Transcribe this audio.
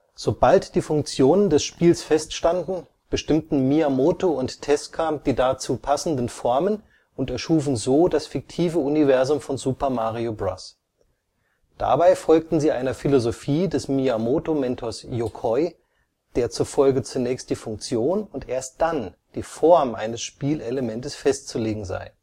Sobald die Funktionen des Spiels feststanden, bestimmten Miyamoto und Tezuka die dazu passenden Formen und erschufen so das fiktive Universum von Super Mario Bros. Dabei folgten sie einer Philosophie des Miyamoto-Mentors Yokoi, der zufolge zunächst die Funktion und erst dann die Form eines Spielelementes festzulegen sei